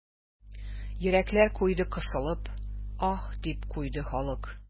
Йөрәкләр куйды кысылып, аһ, дип куйды халык.